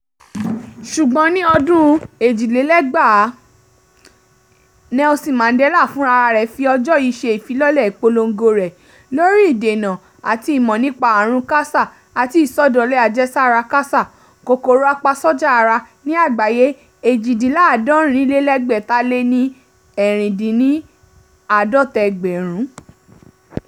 Ṣùgbọ́n, ní ọdún 2002, Nelson Mandela fúnrarẹ̀ fi ọjọ́ yìí ṣe ìfilọ́lẹ̀ ìpolongo rẹ̀ lórí ìdènà àti ìmọ̀ nípa àrùn KASA àti Ìsọdọ̀lẹ Àjẹsára (KASA* Kòkòrò Apasójà Ara) ní àgbáyé, 46668.